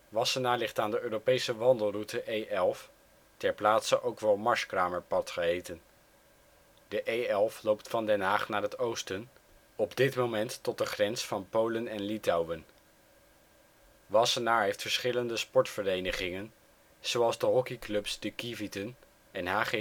Wassenaar ligt aan de Europese wandelroute E11, ter plaatse ook wel Marskramerpad geheten. De E11 loopt van Den Haag naar het oosten, op dit moment tot de grens Polen/Litouwen. Wassenaar heeft verschillende sportverenigingen, zoals de hockeyclubs De Kieviten en HGC